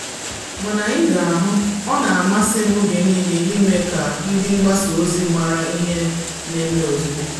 Mana anyị ga-ahụ, ọ na amasị m oge niile ịme ka ndị mgbasa ozi mara ihe na eme ozugbo.”